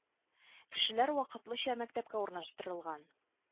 Кешеләр вакытлыча нчы мәктәпкә урнаштырылган